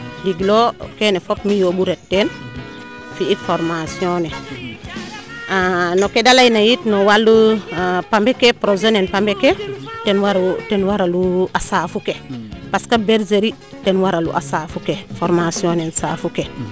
nding loo keene fop mi yoombu ret teen fi ik formation ne no ke de leyna yit walu pambe ke projet ne pambe ke ten wara lu a saafu ke parce que bergerie ten wara lu a saafu ke foramtion ne saafu ke